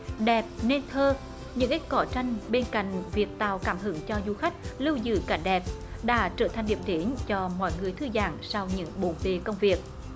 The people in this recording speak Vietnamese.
đẹp nên thơ những cỏ tranh bên cạnh việc tạo cảm hứng cho du khách lưu giữ cả đẹp đã trở thành điểm đến cho mọi người thư giãn sau những bộn bề công việc